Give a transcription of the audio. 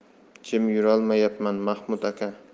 jim yurolmayapman mahmud aka